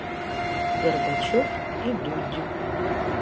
горбачева и дудь